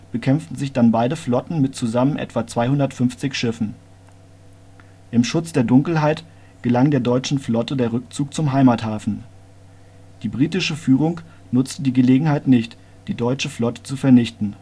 bekämpften sich dann beide Flotten mit zusammen etwa 250 Schiffen. Im Schutz der Dunkelheit gelang der deutschen Flotte der Rückzug zum Heimathafen. Die britische Führung nutzte die Gelegenheit nicht, die deutsche Flotte zu vernichten